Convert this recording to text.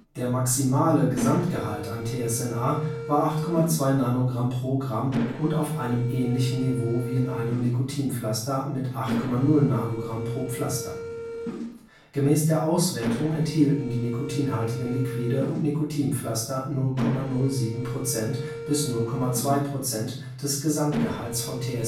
Der maximale Gesamtgehalt an TSNA war 8.2 Nanogramm/g und auf einem ähnlichen Niveau wie in einem Nikotinpflaster (8,0 Nanogramm/Pflaster). Gemäß der Auswertung enthielten die nikotinhaltigen Liquide und Nikotinpflaster 0,07 % bis 0,2 % des Gesamtgehalts von TSNA